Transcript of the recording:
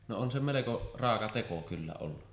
no on se melko raaka teko kyllä ollut